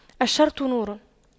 الشرط نور